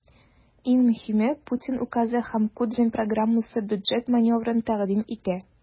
Иң мөһиме, Путин указы һәм Кудрин программасы бюджет маневрын тәкъдим итә.